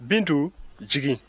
bintu jigin